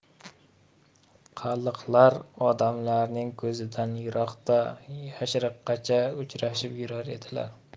qalliqlar odamlarning ko'zidan yiroqda yashiriqcha uchrashib yurar edilar